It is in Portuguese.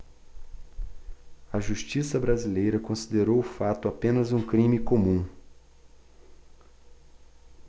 a justiça brasileira considerou o fato apenas um crime comum